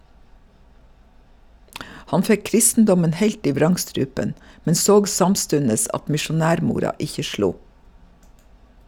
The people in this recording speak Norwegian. Han fekk kristendommen heilt i vrangstrupen, men såg samstundes at misjonærmora ikkje slo.